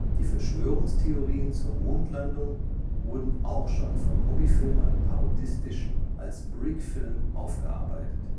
Die Verschwörungstheorien zur Mondlandung wurden auch schon von Hobbyfilmern parodistisch als Brickfilm aufgearbeitet